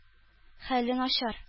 Хәле начар